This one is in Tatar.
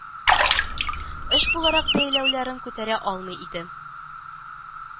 Эш буларак бәяләүләрен күтәрә алмый иде